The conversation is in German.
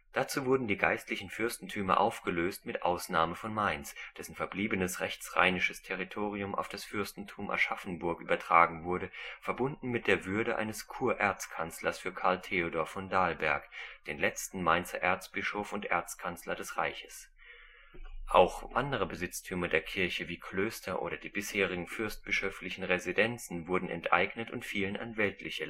Dazu wurden die geistlichen Fürstentümer aufgelöst mit Ausnahme von Mainz, dessen verbliebenes rechtsrheinisches Territorium auf das Fürstentum Aschaffenburg übertragen wurde, verbunden mit der Würde eines Kur-Erzkanzlers für Karl Theodor von Dalberg, den letzten Mainzer Erzbischof und Erzkanzler des Reiches. Auch andere Besitztümer der Kirche, wie Klöster oder die bisherigen fürstbischöflichen Residenzen, wurden enteignet und fielen an weltliche Landesherren